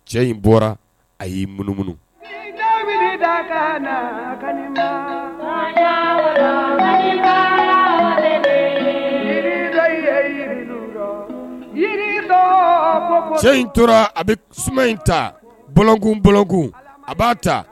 Cɛ in bɔra a y'i mununu ka cɛ in tora a bɛ suma in takun bɔkun a b'a ta